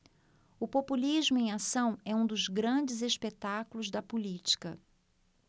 o populismo em ação é um dos grandes espetáculos da política